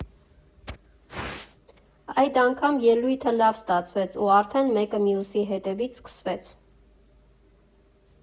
Այդ անգամ ելույթը լավ ստացվեց ու արդեն մեկը մյուսի հետևից սկսվեց։